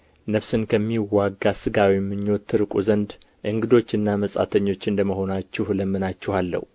ነፍስን ከሚዋጋ ሥጋዊ ምኞት ትርቁ ዘንድ እንግዶችና መጻተኞች እንደ መሆናችሁ እለምናችኋለሁ